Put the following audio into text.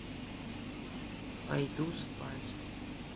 пойду спать